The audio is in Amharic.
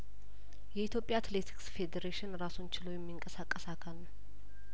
የኢትዮጵያ አትሌቲክስ ፌዴሬሽን ራሱን ችሎ የሚንቀሳቀስ አካል ነው